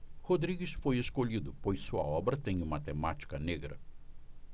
rodrigues foi escolhido pois sua obra tem uma temática negra